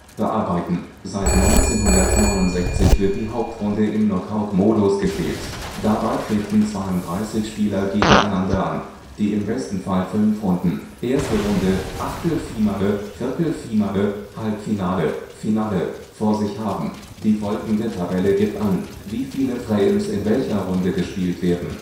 Seit 1969 wird die Hauptrunde im Knockout-Modus gespielt. Dabei treten 32 Spieler gegeneinander an, die im besten Fall fünf Runden (1. Runde, Achtelfinale, Viertelfinale, Halbfinale, Finale) vor sich haben. Die folgende Tabelle gibt an, wie viele Frames in welcher Runde gespielt werden